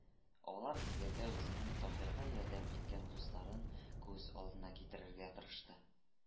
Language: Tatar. Алар дигәндә үзенең таһирга ярдәм иткән дусларын күз алдына китерергә тырышты